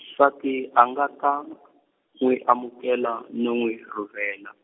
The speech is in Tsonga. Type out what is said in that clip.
nsati a nga ta , n'wi amukela no n'wi rhurhela.